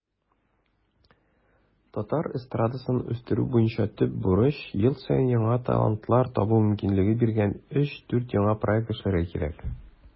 Татар эстрадасын үстерү буенча төп бурыч - ел саен яңа талантлар табу мөмкинлеге биргән 3-4 яңа проект эшләргә кирәк.